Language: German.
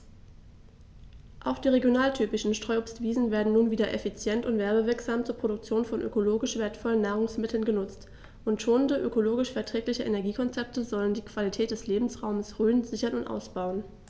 Auch die regionaltypischen Streuobstwiesen werden nun wieder effizient und werbewirksam zur Produktion von ökologisch wertvollen Nahrungsmitteln genutzt, und schonende, ökologisch verträgliche Energiekonzepte sollen die Qualität des Lebensraumes Rhön sichern und ausbauen.